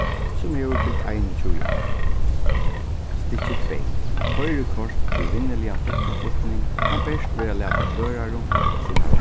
sum hevur fylt einogtjúgu ár stykki tvey koyrikort til vinnuligan fólkaflutning kann bert verða latin førarum sum hava